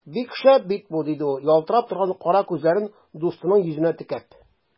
Бик шәп бит бу! - диде ул, ялтырап торган кара күзләрен дустының йөзенә текәп.